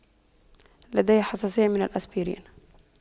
لدي حساسية من الأسبرين